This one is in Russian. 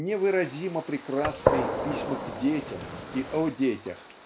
невыразимо прекрасны письма к детям и о детях